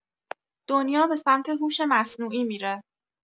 دنیا به سمت هوش مصنوعی می‌ره